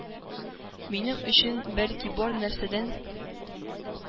Минем өчен, бәлки, бар нәрсәдән